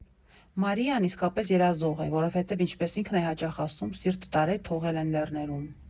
Մարիան իսկական երազող է, որովհետև ինչպես ինքն է հաճախ ասում՝ «սիրտը տարել՝ թողել են լեռներում»։